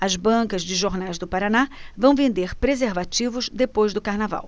as bancas de jornais do paraná vão vender preservativos depois do carnaval